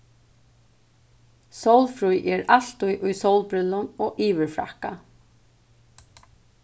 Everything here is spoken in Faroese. sólfríð er altíð í sólbrillum og yvirfrakka